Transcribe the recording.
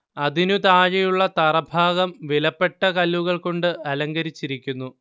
അതിനു താഴെയുള്ള തറ ഭാഗം വിലപ്പെട്ട കല്ലുകൾ കൊണ്ട് അലങ്കരിച്ചിരിക്കുന്നു